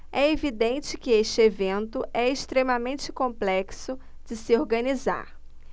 é evidente que este evento é extremamente complexo de se organizar